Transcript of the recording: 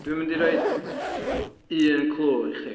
dwi'n mynd i roid un clue i chi.